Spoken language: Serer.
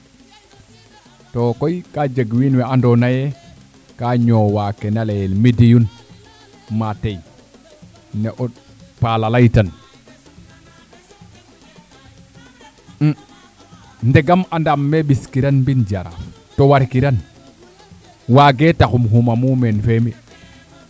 to koy ka jeg wiin wa ando naye ka ñoowa kena leyel mi diyun matey ne o paala ley tan ndegam anda me ɓis kiran mbin jaraaf to war kiran waage tax im xuma mumeen fe mi